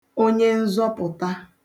onyenzọpụ̀ta